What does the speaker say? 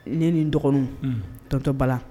Ne ni dɔgɔninw. Unhun! Docteur Bala